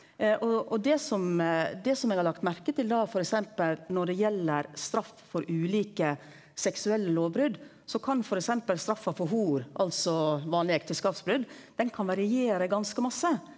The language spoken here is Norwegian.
og og det som det som eg har lagt merke til da f.eks. når det gjeld straff for ulike seksuelle lovbrot så kan f.eks. straffa for hor altså vanleg ekteskapsbrot den kan variere ganske masse.